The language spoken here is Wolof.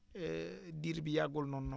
diir bu yàggul noonu noonu